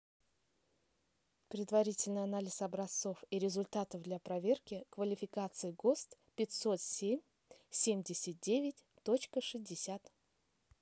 предварительный анализ образцов и результатов для проверки квалификации гост пятьсот семь семьдесят девять точка шестьдесят